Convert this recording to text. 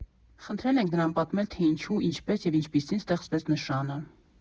Խնդրել ենք նրան պատմել, թե ինչու, ինչպես և ինչպիսին ստեղծվեց նշանը։